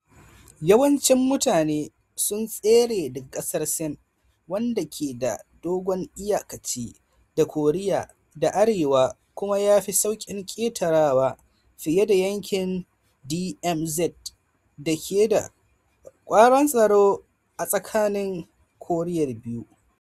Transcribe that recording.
Yawancin mutane sun tsere daga kasar Sin, wanda ke da dogon iyakaci da Koriya ta Arewa kuma ya fi sauƙin ketarewa fiye da yankin (DMZ) dake da kwakwaran tsaro a tsakanin Korear biyu.